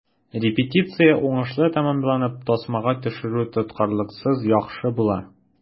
Репетиция уңышлы тәмамланып, тасмага төшерү тоткарлыксыз яхшы була.